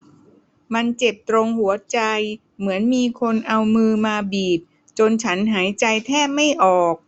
มันเจ็บตรงหัวใจเหมือนมีคนเอามือมาบีบจนฉันหายใจแทบไม่ออก